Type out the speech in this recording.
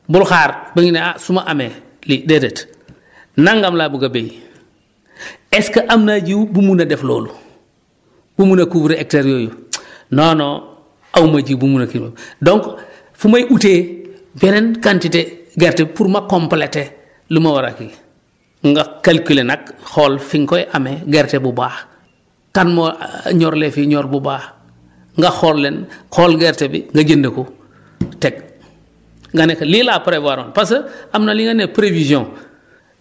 bul xaar bañ a ne ah su ma amee lii déedéet nangam laa bugg a béy est ce que am naa jiw bu mun a def loolu bu mun a couvrir hectare yooyu non non aw ma ji bu mun a kii loolu donc fu may utee beneen quantité gerte pour ma compléter lu ma war a kii nga calculer nag xool fi nga koy amee gerte bu baax kan moo ñorle fii ñor bu baax nga xool leen xool gerte bi nga jënd ko teg nga ne ko lii laa prévoir parce que am na li nga ne prévision